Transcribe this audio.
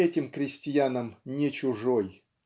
этим крестьянам не чужой.